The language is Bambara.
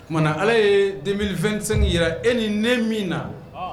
O tumana na ala ye denfɛnsengin jira e ni ne min na